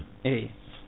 eyyi